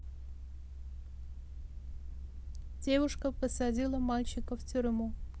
девушка посадила мальчика в тюрьму